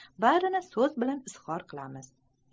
barini soz bilan izhor qilamiz